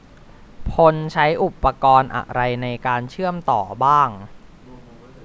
พลใช้อุปกรณ์อะไรในการเชื่อมต่อบ้าง